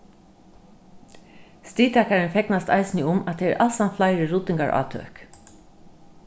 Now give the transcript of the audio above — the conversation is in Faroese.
stigtakarin fegnast eisini um at tað eru alsamt fleiri ruddingarátøk